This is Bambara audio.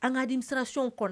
An ka dimi siransi kɔnɔ